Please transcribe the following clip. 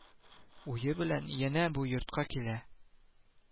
Уе белән янә бу йортка килә